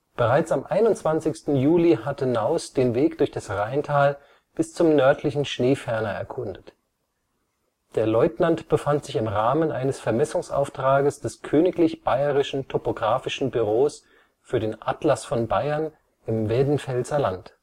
Bereits am 21. Juli hatte Naus den Weg durch das Reintal bis zum Nördlichen Schneeferner erkundet. Der Leutnant befand sich im Rahmen eines Vermessungsauftrages des Königlich Bairischen Topographischen Bureaus für den Atlas von Bayern im Werdenfelser Land